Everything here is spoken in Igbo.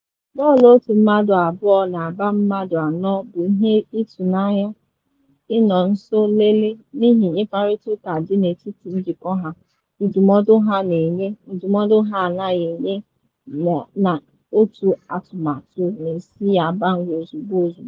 Bọọlụ otu mmadụ abụọ na agba mmadụ anọ bụ ihe ịtụ n’anya ịnọ nso lelee n’ihi mkparịta ụka dị na etiti njikọ a, ndụmọdụ ha na-enye, ndụmọdụ ha anaghị enye na otu atụmatụ na-esi agbanwe ozugbo ozugbo.